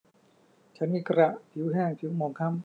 ฉันมีกระผิวแห้งผิวหมองคล้ำ